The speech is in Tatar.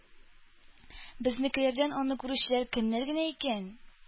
Безнекеләрдән аны күрүчеләр кемнәр генә икән?